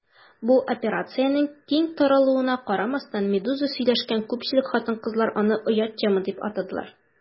Бу операциянең киң таралуына карамастан, «Медуза» сөйләшкән күпчелек хатын-кызлар аны «оят тема» дип атадылар.